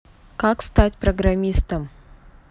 как стать программистом